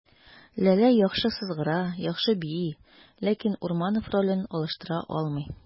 Ләлә яхшы сызгыра, яхшы бии, ләкин Урманов ролен алыштыра алмый.